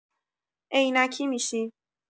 عینکی می‌شی.